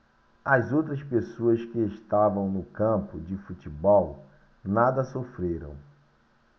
as outras pessoas que estavam no campo de futebol nada sofreram